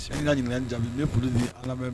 Se ka ɲininka jamu ne furu ni ala